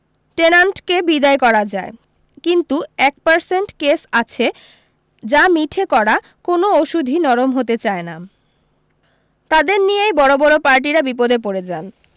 টেনাণ্টকে বিদায় করা যায় কিন্তু এক পার্সেণ্ট কেস আছে যা মিঠে কড়া কোন ওষুধই নরম হতে চায় না তাদের নিয়েই বড় বড় পার্টিরা বিপদে পড়ে যান